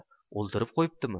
o'ldirib qo'yibdimi